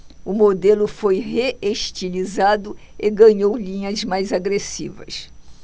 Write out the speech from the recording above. o modelo foi reestilizado e ganhou linhas mais agressivas